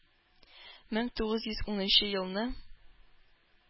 Мең тугыз йөз унынчы елны